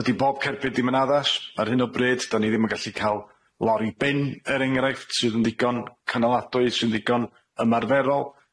Dydi bob cerbyd dim yn addas, ar hyn o bryd da ni ddim yn gallu ca'l lori bin er enghraifft sydd yn ddigon canoladwy, sy'n ddigon ymarferol.